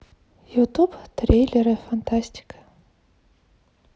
ютуб трейлеры фантастика